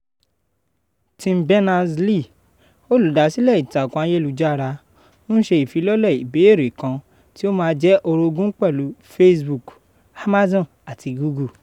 Tim Berners-Lee, olùdásílẹ̀ Ìtàkùn ayélujára, ń ṣe ifilọ́lẹ̀ ìbẹ̀rẹ̀ kan tí ó máa jẹ́ orogún pẹ̀lú Facebook, Amazon àti Google.